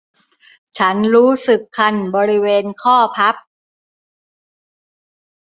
ฉันรู้สึกคันบริเวณข้อพับ